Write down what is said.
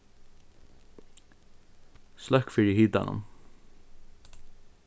sløkk fyri hitanum